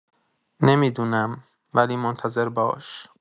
نمی‌دونم، ولی منتظر باش.